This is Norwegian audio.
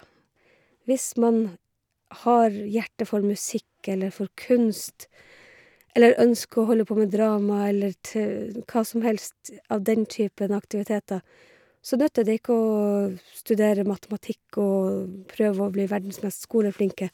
Hvis man har hjerte for musikk eller for kunst, eller ønsker å holde på med drama eller te hva som helst av den typen aktiviteter, så nytter det ikke å studere matematikk og prøve å bli verdens mest skoleflinke.